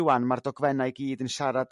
Rwan ma'r dogfenna' i gyd yn siarad